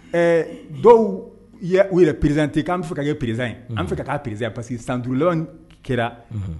Dɔw ye u yɛrɛ présenter k'an bɛ fɛ ka kɛ président ye, an bɛ fɛ ka k'a président ye parce que san 5 laban min kɛra, unhun